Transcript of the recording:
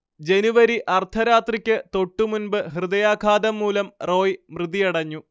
ജനുവരി അർദ്ധരാത്രിക്ക് തൊട്ടു മുൻപ് ഹൃദയാഘാതം മൂലം റോയ് മൃതിയടഞ്ഞു